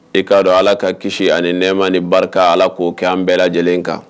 E k'a don ala ka kisi ani nɛma ni barika ala k'o kɛ an bɛɛ lajɛlen kan